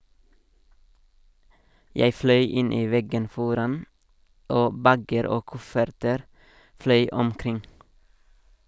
Jeg fløy inn i veggen foran, og bager og kofferter fløy omkring.